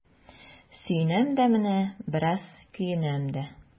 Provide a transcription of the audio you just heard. Сөенәм дә менә, бераз көенәм дә.